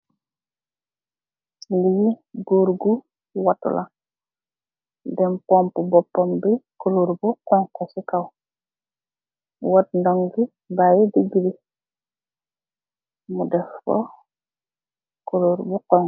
Lii goor gu watu la, dem pumpu bopam bi kolor bu xonxu si kaw, watt ndongi, bayi digg bi, mu def ko kolor bu xonxu